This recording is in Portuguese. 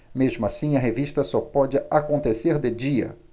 mesmo assim a revista só pode acontecer de dia